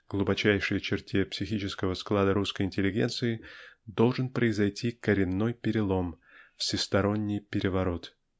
глубочайшей черте психического склада русской интеллигенции должен произойти коренной перелом всесторонний переворот.